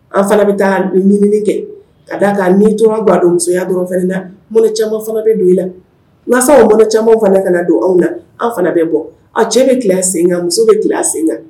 An fana bɛ taa kɛ ka da ka niura' don musoya dɔrɔn fana na mɔnɔnɔ caman fana bɛ don i la masaw o mɔn caman fana kana don anw na an fana bɛ bɔ a cɛ bɛ sen kan muso bɛ tila sen